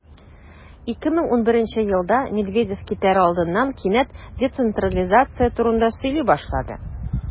2011 елда медведев китәр алдыннан кинәт децентрализация турында сөйли башлады.